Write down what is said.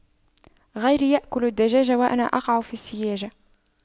غيري يأكل الدجاج وأنا أقع في السياج